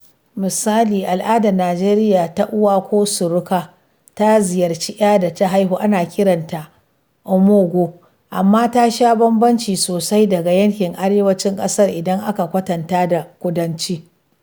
Misali, al’adar Najeriya ta uwa ko suruka ta ziyarci ‘ya da ta haihu, ana kiran ta omugwo, amma ta sha bambanci sosai daga yankin arewacin ƙasar idan aka kwatanta da kudanci.